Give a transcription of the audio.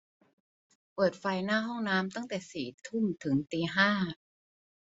เปิดไฟหน้าห้องน้ำตั้งแต่สี่ทุ่มถึงตีห้า